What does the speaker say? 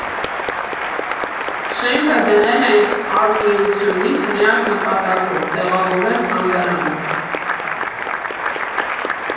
Շենքը գնել ենք արհմիությունից միակ նպատակով՝ տեղավորել թանգարանը։